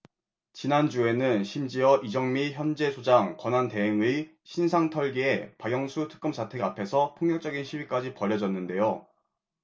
지난주에는 심지어 이정미 헌재소장 권한대행의 신상 털기에 박영수 특검 자택 앞에서 폭력적인 시위까지 벌어졌는데요